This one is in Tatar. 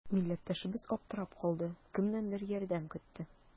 Милләттәшебез аптырап калды, кемнәндер ярдәм көтте.